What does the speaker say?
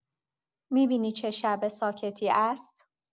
می‌بینی چه شب ساکتی است؟